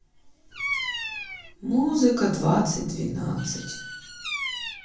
музыка двадцать двенадцать